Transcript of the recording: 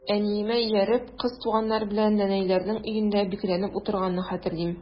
Әниемә ияреп, кыз туганнар белән нәнәйләрнең өендә бикләнеп утырганны хәтерлим.